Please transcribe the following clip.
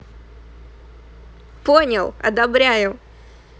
понял адабряю